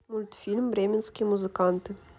мультфильм бременские музыканты